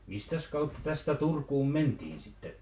mistäs kautta tästä Turkuun mentiin sitten